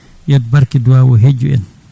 yo barke duwaw o hejju en